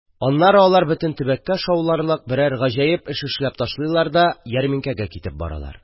Аннары алар бөтен төбәккә шауларлык берәр гаҗәеп эш эшләп ташлыйлар да, ярминкәгә китеп баралар.